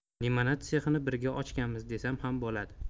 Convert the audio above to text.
limonad tsexini birga ochganmiz desam ham bo'ladi